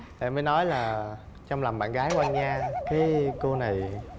em mới nói là trâm làm bạn gái anh nha cái cô này